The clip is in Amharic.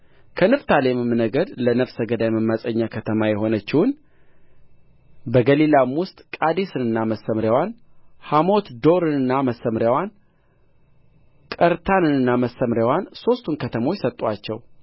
ከንፍታሌምም ነገድ ለነፍሰ ገዳይ መማፀኛ ከተማ የሆነችውን በገሊላ ውስጥ ቃዴስንና መሰምርያዋን ሐሞትዶርንና መሰምርያዋን ቀርታንንና መሰምርያዋን ሦስቱን ከተሞች ሰጡአቸው